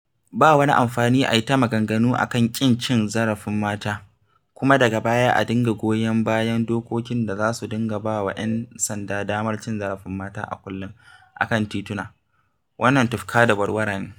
Ba wani amfani a yi ta maganganu a kan ƙin cin zarafin mata kuma daga baya a dinga goyon bayan dokokin da za su dinga ba wa 'yan sanda damar cin zarafin mata a kullum a kan tituna, wannan tufka da warwara ne!